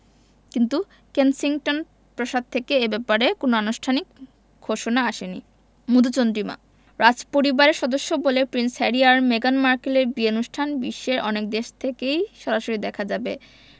কিন্তু কেনসিংটন প্রাসাদ থেকে এ ব্যাপারে কোনো আনুষ্ঠানিক ঘোষণা আসেনি মধুচন্দ্রিমা রাজপরিবারের সদস্য বলে প্রিন্স হ্যারি আর মেগান মার্কেলের বিয়ের অনুষ্ঠান বিশ্বের অনেক দেশ থেকেই সরাসরি দেখা যাবে